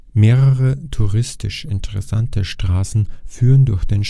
Mehrere touristisch interessante Straßen führen durch den